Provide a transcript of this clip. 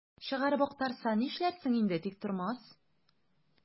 Чыгарып актарса, нишләрсең инде, Тиктормас?